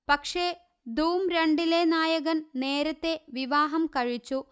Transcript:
പക്ഷേ ധൂം രണ്ടിലെ നായകൻനേരത്തേ വിവാഹം കഴിച്ചു